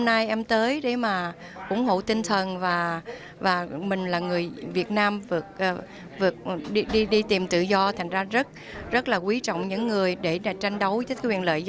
nay em tới để mà ủng hộ tinh thần và và mình là người việt nam vượt nam vượt đi đi tìm tự do thành ra rất rất là quý trọng những người để để tranh đấu cái quyền lợi